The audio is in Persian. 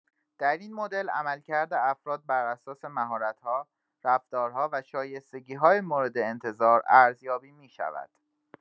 در این مدل، عملکرد افراد بر اساس مهارت‌ها، رفتارها و شایستگی‌های مورد انتظار ارزیابی می‌شود؛